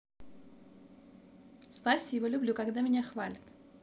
спасибо люблю когда меня хвалят